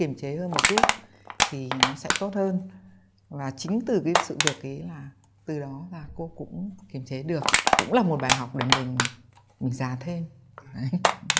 kiềm chế hơn một chút thì nó sẽ tốt hơn và chính từ cái sự việc ý là từ đó là cô cũng kiềm chế được cũng là một bài học để mình già thêm đấy